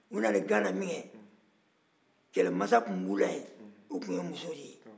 u nannen gan minkɛ kɛlɛmansa tun b'u la ye o yun ye muso ye